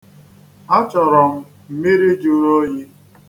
Achọrọ m mmiri jụrụ oyi.